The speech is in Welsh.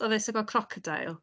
Oedd e isie gweld crocodeil.